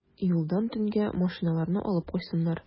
Юлдан төнгә машиналарны алып куйсыннар.